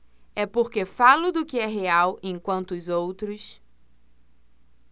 é porque falo do que é real enquanto os outros